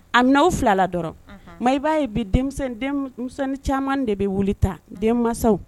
A bɛ filala dɔrɔn maa b'a ye bi caman de bɛ wuli ta denmanw